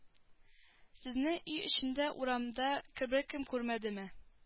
Сезне өй эчендә урамда ке беркем күрмәдеме